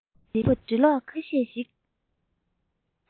ཙི ཙི ཕོ དེ འགྲེ སློག ཁ ཤས ཤིག